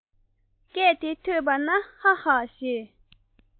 སྐད དེ ཐོས པ ན ཧ ཧ ཞེས